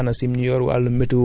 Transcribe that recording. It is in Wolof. le 26 juin la tawoon